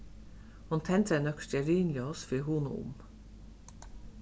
hon tendraði nøkur stearinljós fyri at hugna um